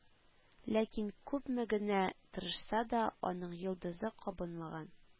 Ләкин, күпме генә тырышса да, аның йолдызы кабынмаган